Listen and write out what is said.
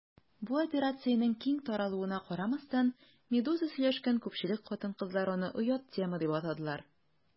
Бу операциянең киң таралуына карамастан, «Медуза» сөйләшкән күпчелек хатын-кызлар аны «оят тема» дип атадылар.